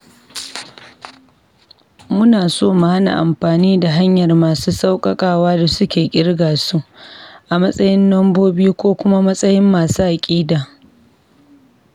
Muna so mu hana amfani da hanyar masu sauƙaƙawa da suke ƙirga su a matsayin lambobi ko kuma matsayin masu aƙida.